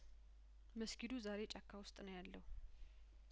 መስጊዱ ዛሬ ጫካ ውስጥ ነው ያለው